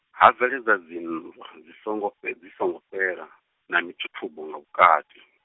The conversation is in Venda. ha bveledza dzinndwa dzi songo fhe-, dzi songo fhela, na mithuthubo nga vhukati.